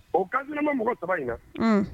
O kasma mɔgɔ ta in na